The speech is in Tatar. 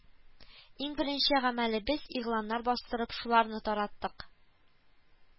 Иң беренче гамәлебез игъланнар бастырып шуларны тараттык